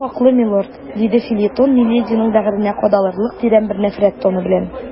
Сез хаклы, милорд, - диде Фельтон милединың бәгыренә кадалырлык тирән бер нәфрәт тоны белән.